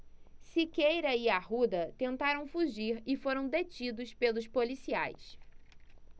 siqueira e arruda tentaram fugir e foram detidos pelos policiais